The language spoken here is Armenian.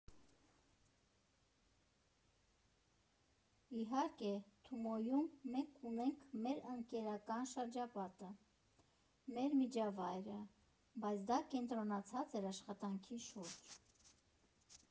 Իհարկե, Թումոյում մենք ունեինք մեր ընկերական շրջապատը, մեր միջավայրը, բայց դա կենտրոնացած էր աշխատանքի շուրջ։